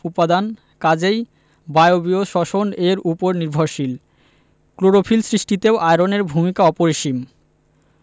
উপাদান কাজেই বায়বীয় শ্বসন এর উপর নির্ভরশীল ক্লোরোফিল সৃষ্টিতেও আয়রনের ভূমিকা অপরিসীম